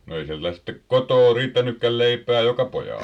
no ei teillä sitten kotoa riittänytkään leipää joka pojalle